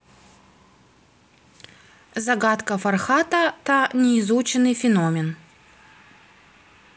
загадка фархата та неизученный феномен